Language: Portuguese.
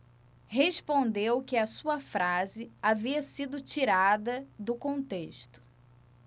respondeu que a sua frase havia sido tirada do contexto